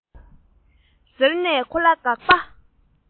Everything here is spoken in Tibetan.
ཟེར ནས ཁོ ལ དགག པ